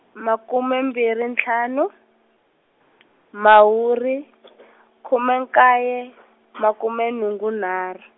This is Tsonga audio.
makume mbirhi ntlhanu , Mhawuri, khume nkaye, makume nhungu nharhu.